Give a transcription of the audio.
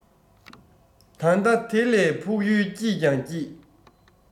ད ལྟ དེ ལས ཕུགས ཡུལ སྐྱིད ཀྱང སྐྱིད